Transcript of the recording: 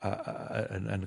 y y y yn yn